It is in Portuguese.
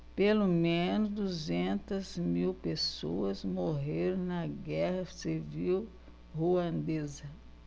pelo menos duzentas mil pessoas morreram na guerra civil ruandesa